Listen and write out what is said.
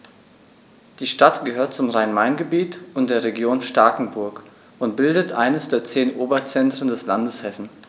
Die Stadt gehört zum Rhein-Main-Gebiet und der Region Starkenburg und bildet eines der zehn Oberzentren des Landes Hessen.